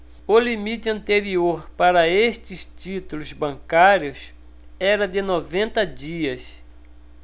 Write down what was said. o limite anterior para estes títulos bancários era de noventa dias